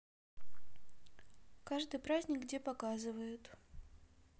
каждый праздник где показывают